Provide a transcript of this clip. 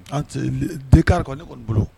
An den kari kɔni ne kɔni bolo